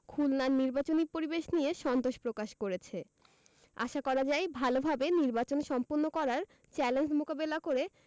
খুলনার নির্বাচনী পরিবেশ নিয়ে সন্তোষ প্রকাশ করেছে আশা করা যায় ভালোভাবে নির্বাচন সম্পন্ন করার চ্যালেঞ্জ মোকাবেলা করে